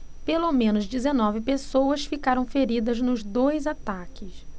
pelo menos dezenove pessoas ficaram feridas nos dois ataques